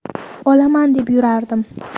olaman deb yurardim